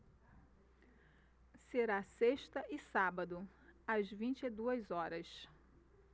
será sexta e sábado às vinte e duas horas